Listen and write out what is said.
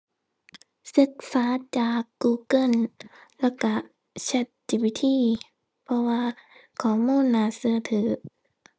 ศึกษาจาก Google แล้วก็ ChatGPT เพราะว่าข้อมูลน่าก็ถือ